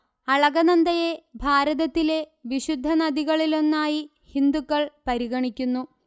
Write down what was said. അളകനന്ദയെ ഭാരതത്തിലെ വിശുദ്ധ നദികളിലൊന്നായി ഹിന്ദുക്കൾ പരിഗണിക്കുന്നു